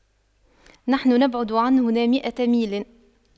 نحن نبعد عن هنا مئة ميل